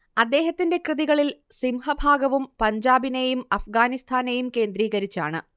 അദ്ദേഹത്തിന്റെ കൃതികളിൽ സിംഹഭാഗവും പഞ്ചാബിനെയും അപ്ഗാനിസ്ഥാനെയും കേന്ദ്രീകരിച്ചാണ്